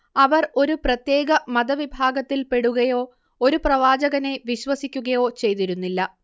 അവർ ഒരു പ്രത്യേക മതവിഭാഗത്തിൽപ്പെടുകയോ ഒരു പ്രവാചകനെ വിശ്വസിക്കുകയോ ചെയ്തിരുന്നില്ല